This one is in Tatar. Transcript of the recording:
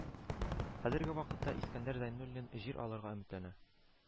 Хәзерге вакытта Искәндәр Зәйнуллин җир алырга өметләнә